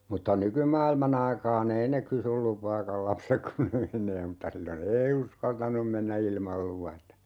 mutta nykymaailman aikaan ei ne kysy lupaakaan lapset kun ne menee mutta silloin ei uskaltanut mennä ilman luvatta